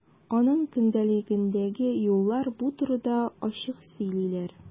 Аның көндәлегендәге юллар бу турыда ачык сөйлиләр.